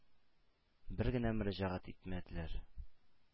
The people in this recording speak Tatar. Бер генә мөрәҗәгать итмәделәр.